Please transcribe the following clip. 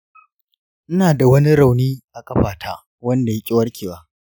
ina da wani rauni a ƙafata wanda yaƙi warkewa.